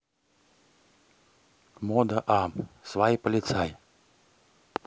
мода am свай полицай